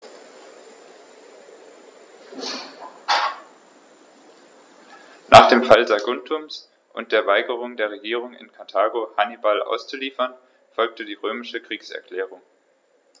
Nach dem Fall Saguntums und der Weigerung der Regierung in Karthago, Hannibal auszuliefern, folgte die römische Kriegserklärung.